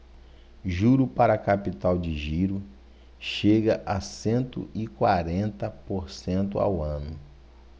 juro para capital de giro chega a cento e quarenta por cento ao ano